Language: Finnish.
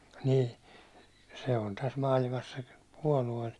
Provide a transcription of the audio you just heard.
niin se on tässä maailmassa se puolue